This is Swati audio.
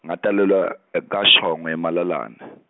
ngatalelwa e kaShongwe Malelane.